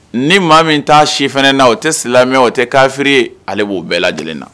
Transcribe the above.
Ni maa min taa si fana na o tɛ silamɛmɛ o tɛ kafiri ale b'o bɛɛ lajɛlen na